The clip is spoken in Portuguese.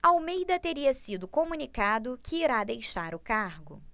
almeida teria sido comunicado que irá deixar o cargo